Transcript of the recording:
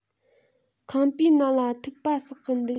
ཁང པའི ནང ལ ཐིགས པ ཟག གི འདུག